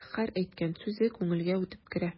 Һәр әйткән сүзе күңелгә үтеп керә.